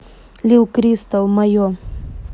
lil krystalll мое